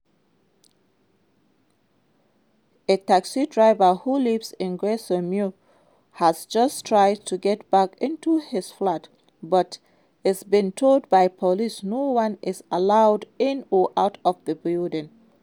A taxi driver who lives in Grayson Mews has just tried to get back into his flat but is being told by police no one is allowed in or out of the building.